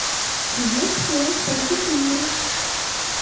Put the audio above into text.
привет всем кто четыре